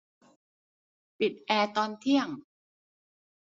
ปิดแอร์ตอนเที่ยง